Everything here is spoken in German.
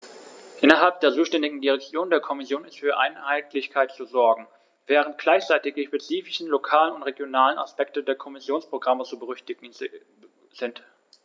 Innerhalb der zuständigen Direktion der Kommission ist für Einheitlichkeit zu sorgen, während gleichzeitig die spezifischen lokalen und regionalen Aspekte der Kommissionsprogramme zu berücksichtigen sind.